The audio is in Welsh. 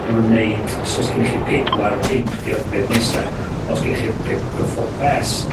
ma' nw'n neud... So os gennych chi'r pedwar, y pump 'di'r upgrade nesa. Os gennych chi ped- yy four es